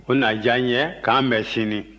o na diya n ye k'an bɛn sini